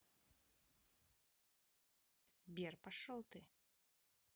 сбер пошел ты